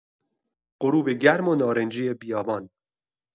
غروب گرم و نارنجی بیابان